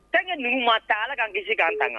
Denkɛ numu ma ta ala k ka kisi k' tan kan